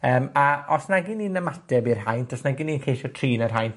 Yym, a os nag 'yn ni'n ymateb i'r haint, os nag 'yn ni'n ceisio trin yr haint,